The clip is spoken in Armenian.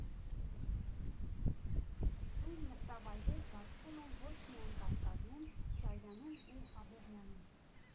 Թույն նստավայրեր բացվում են ոչ միայն Կասկադում, Սարյանում ու Աբովյանում։